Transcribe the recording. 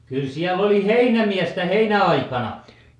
kyllä siellä oli heinämiestä heinäaikana